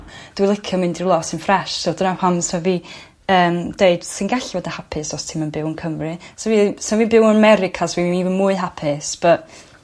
Dwi licio mynd i rwla sy'n ffires so dyna pam sa fi yn deud swn i gallu bod yn hapus os ti'm yn byw yn Cymru. Sa fi sa fi byw yn 'Merica swn i evenmwy hapust bu